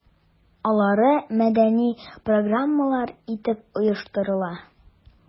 Алары мәдәни программалар итеп оештырыла.